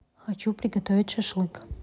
хочу приготовить шашлык